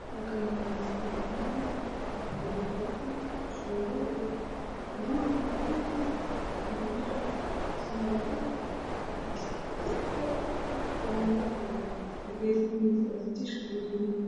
Halkaan waxaa ka muuqdo saxan cad oo ay ku jiraan bur suwan iyo digir iyo jibsi iyo yaanyo ansalaato saxanka waxaa garab yaalo qaado fargeeto ah